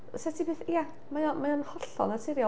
Fysa ti byth, ia, mae o, mae o'n hollol naturiol.